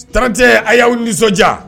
Tte a y'aw nisɔndiya